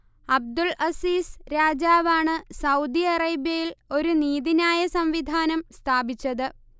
Abdul Aziz രാജാവ് ആണ് Saudi അറേബ്യയിൽ ഒരു നീതിന്യായ സംവിധാനം സ്ഥാപിച്ചത്